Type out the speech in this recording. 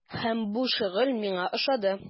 Һәм бу шөгыль миңа ошады.